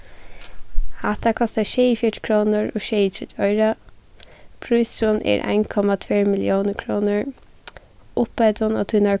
hatta kostar sjeyogfjøruti krónur og sjeyogtretivu oyru prísurin er ein komma tvær milliónir krónur upphæddin á tínari